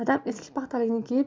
dadam eski paxtaligini kiyib